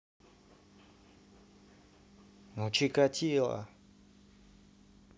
у чикатило